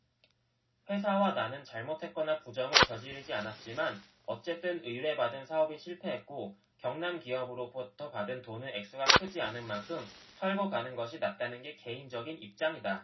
회사와 나는 잘못했거나 부정을 저지르지 않았지만 어쨌든 의뢰받은 사업이 실패했고 경남기업으로부터 받은 돈의 액수가 크지 않은 만큼 털고 가는 것이 낫다는 게 개인적인 입장이다